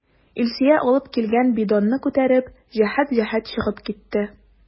Илсөя алып килгән бидонны күтәреп, җәһәт-җәһәт чыгып китте.